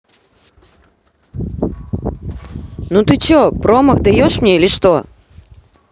ну че ты промах дашь мне или что